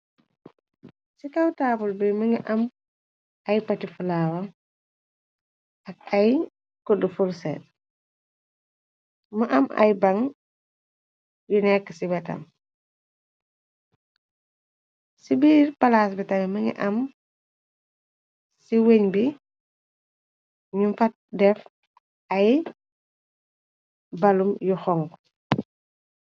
Ci kawtaabul bi mi nga am ay patiflaawa ak ay kudd furset mu am ay ban yu nekk ci wetam ci biir palaas bi tame më nga am ci weñ bi ñu fax def ay balum yu xong.